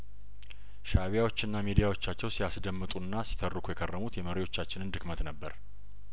ሻእቢያዎችና ሚድያዎቻቸው ሲያስደምጡና ሲተርኩ የከረሙት የመሪዎቻችንን ድክመት ነበር